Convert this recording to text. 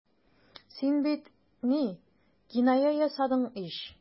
Син бит... ни... киная ясадың ич.